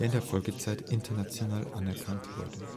der Folgezeit international anerkannt wurde